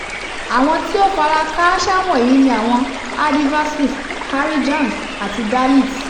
Àwọn tí ó f'ara kááṣá wọ̀nyí ni àwọn Adivasis, Harijans àti Dalits.